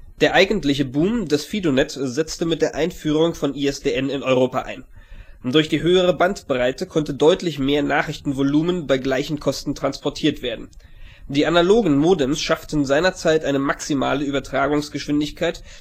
Der eigentliche Boom des FidoNet setzte mit der Einführung von ISDN in Europa ein. Durch die höhere Bandbreite konnte deutlich mehr Nachrichtenvolumen bei gleichen Kosten transportiert werden. Die analogen Modems schafften seinerzeit eine maximale Übertragungsgeschwindigkeit